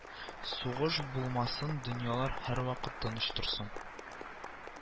Сугыш булмасын, дөньялар һәрвакыт тыныч торсын